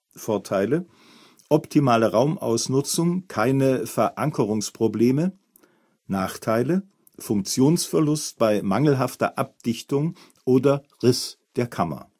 Vorteile: optimale Raumausnutzung, keine Verankerungsprobleme Nachteile: Funktionsverlust bei mangelhafter Abdichtung oder Riss der Kammer